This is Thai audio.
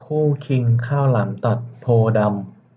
คู่คิงข้าวหลามตัดโพธิ์ดำ